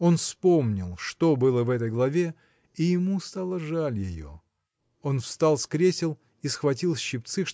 Он вспомнил, что было в этой главе, и ему стало жаль ее. Он встал с кресел и схватил щипцы